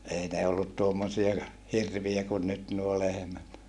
ei ne ollut tuommoisia hirviä kuin nyt nuo lehmät